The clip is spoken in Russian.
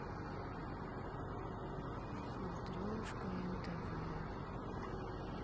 смотрешка нтв